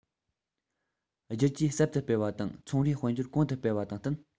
བསྒྱུར བཅོས ཟབ ཏུ སྤེལ བ དང ཚོང རའི དཔལ འབྱོར གོང དུ སྤེལ བ དང བསྟུན